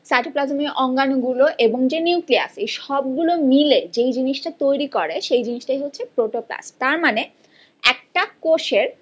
সাইটোপ্লাজমের অঙ্গাণু গুলি এবং যে নিউক্লিয়াস সবগুলো মিলে যে জিনিসটা তৈরি করে সে জিনিসটাই হচ্ছে প্রোটোপ্লাস্ট তার মানে একটা কোষের